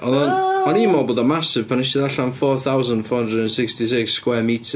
O'n i... Wel. ...O'n i'n meddwl bod o'n massive pan wnes i ddarllan four thousand four hundred and sixty six square metres.